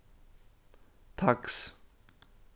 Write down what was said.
taks